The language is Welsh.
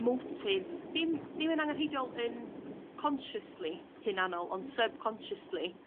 motive dim dim yn angenrheidiol yn consciously hunanol ond sub consciously